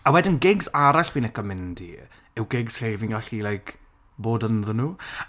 A wedyn gigs arall fi'n lico mynd i, yw gigs lle fi'n gallu like bod ynddyn nhw